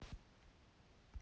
а ты меня не понимаешь